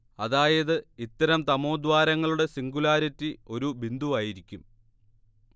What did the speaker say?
അതായത് ഇത്തരം തമോദ്വാരങ്ങളുടെ സിംഗുലാരിറ്റി ഒരു ബിന്ദുവായിരിക്കും